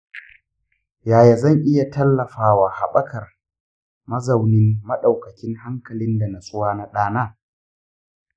yaya zan iya tallafa wa haɓakar mazaunin maɗaukakin hankali da natsuwa na ɗana?